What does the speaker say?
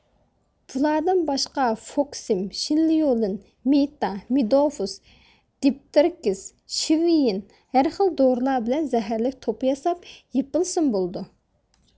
بۇلاردىن باشقا فوكسىم شىنليۇلىن مېتا مىدوفوس دىپتېرىكىس شۋىييىن ۋە ھەرخىل دورىلار بىلەن زەھەرلىك توپا ياساپ يېپىلسىمۇ بولىدۇ